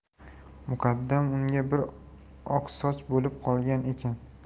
muqaddam unga bir oqsoch bo'lib qolgan ekan